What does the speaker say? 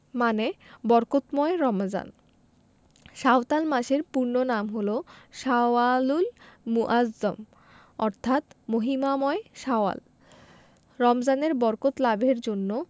মানে বরকতময় রমজান শাওয়াল মাসের পূর্ণ নাম হলো শাওয়ালুল মুআজ্জম অর্থাৎ মহিমাময় শাওয়াল রমজানের বরকত লাভের জন্য